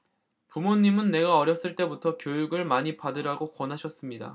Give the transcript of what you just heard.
부모님은 내가 어렸을 때부터 교육을 많이 받으라고 권하셨습니다